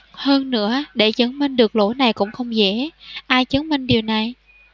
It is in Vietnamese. hơn nữa để chứng minh được lỗi này cũng không dễ ai chứng minh điều này